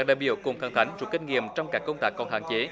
đại biểu cũng thẳng thắn rút kinh nghiệm trong các công tác còn hạn chế